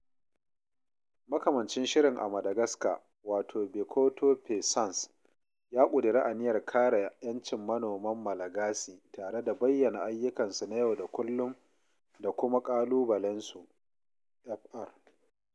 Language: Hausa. Makamancin shirin a Madagascar, wato Bekoto Paysans ya ƙudiri aniyar kare 'yancin manoman Malagasy tare da bayyana ayyukansu na yau da kulluma da kuma ƙalubalensu (fr).